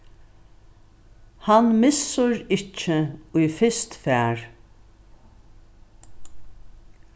hann missir ikki ið fyrst fær